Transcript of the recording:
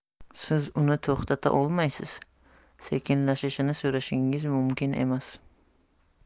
siz uni to'xtata olmaysiz sekinlashishini so'rashingiz mumkin emas